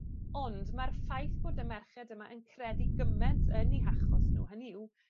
Ond ma'r ffaith bod y merched yma yn credu gymaint yn 'u hachos nw, hynny yw,